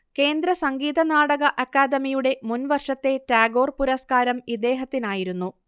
കേന്ദ്രസംഗീതനാടക അക്കാദമിയുടെ മുൻവർഷത്തെ ടാഗോർ പുരസ്കാരം ഇദ്ദേഹത്തിനായിരുന്നു